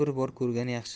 bir bor ko'rgan yaxshi